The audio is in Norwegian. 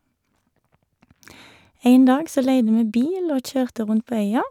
En dag så leide vi bil og kjørte rundt på øya.